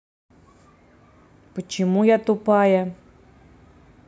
почему я тупая